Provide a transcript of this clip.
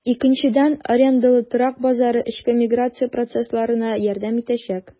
Икенчедән, арендалы торак базары эчке миграция процессларына ярдәм итәчәк.